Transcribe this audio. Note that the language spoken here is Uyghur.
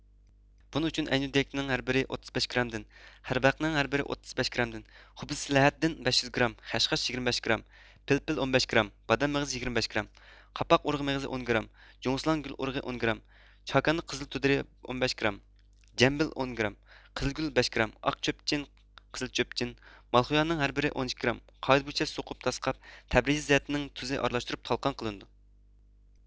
بۇنىڭ ئۈچۈن ئەينۇددېيكنىڭ ھەر بىرى ئوتتۇز بەش گىرامدىن خەربەقنىڭ ھەر بىرى ئوتتۇز بەش گىرامدىن خۇبسىلھەددىن بەش يۈز گىرام خەشخاش يىگىرمە بەش گىرام پىلپىل ئون بەش گىرام بادام مېغىزى يىگىرمە بەش گىرام قاپاق ئۇرۇغى مېغىزى ئون گىرام جۇڭسىلاڭ گۈل ئۇرۇغى ئون گىرام چاكاندا قىزىل تۇدرى ئون بەش گىرام جەمبىل ئون گىرام قىزىلگۈل بەش گىرام ئاق چۆبچىن قىزىل چۆبچىن مالىخوليانىڭ ھەر بىرى ئون ئىككى گىرام قائىدە بويىچە سوقۇپ تاسقاپ تەبىرىزەدنىڭ تۇزى ئارىلاشتۇرۇپ تالقان قىلىنىدۇ